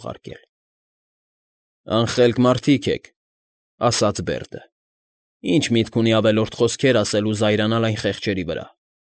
Ուղարկել։ ֊ Անխելք մարդիկ եք,֊ ասաց Բերդը։֊ Ի՞նչ միտք ունի ավելորդ խոսքեր ասել ու զայրանալ այն խեղճերի վրա։